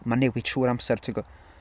Mae'n newid trwy'r amser ti'n gwbod?